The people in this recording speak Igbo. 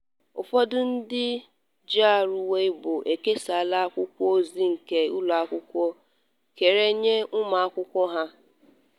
Ụfọdụ ndị njiarụ Weibo ekesala akwụkwọ ozi nke ụlọakwụkwọ kere nye ụmụakwụkwọ ha.